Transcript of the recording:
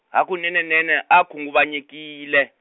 hakunene a khunguvanyekile.